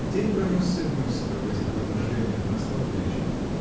День пронесся быстро в этих размышлениях; настал вечер.